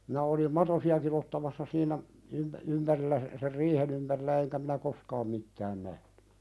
minä olin matosiakin ottamassa siinä - ympärillä - sen riihen ympärillä enkä minä koskaan mitään nähnyt